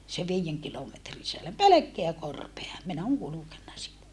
se viiden kilometrin sisällä pelkkää korpea minä olen kulkenut siitä